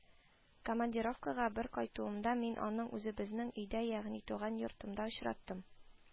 Командировкага бер кайтуымда мин аны үзебезнең өйдә, ягъни туган йортымда очраттым